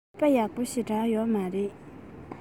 སྤྱོད པ ཡག པོ ཞེ དྲགས ཡོད མ རེད